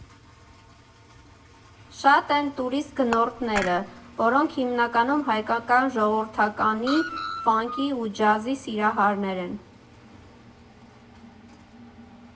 Շատ են տուրիստ գնորդները, որոնք հիմնականում հայկական ժողովրդականի, ֆանքի ու ջազի սիրահարներ են։